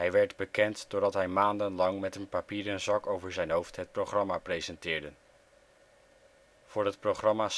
werd bekend doordat hij maandenlang met een papieren zak over zijn hoofd het programma presenteerde. Voor het programma